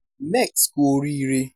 MEX kú oríire!